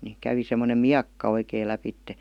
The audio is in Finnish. niin kävi semmoinen miekka oikein lävitse